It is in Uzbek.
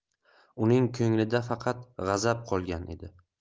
uning ko'nglida faqat g'azab qolgan edi